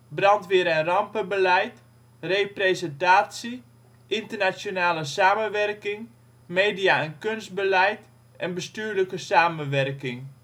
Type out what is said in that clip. Brandweer en rampenbeleid, Representatie, Internationale samenwerking, Media - en kunstbeleid en Bestuurlijke samenwerking